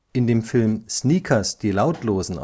In dem Film Sneakers – Die Lautlosen